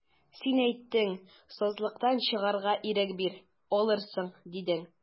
Син әйттең, сазлыктан чыгарга ирек бир, алырсың, дидең.